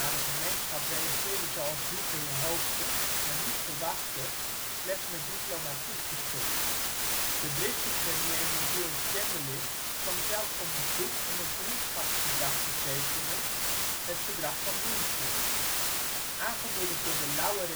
gemeenschap reageerde zoals Hitler hoopte, maar niet verwachtte, slechts met diplomatiek geschut. De Britse Premier Neville Chamberlain kwam zelfs op bezoek om een ' vriendschapsverdrag ' te tekenen: het Verdrag van München. Aangemoedigd door de lauwe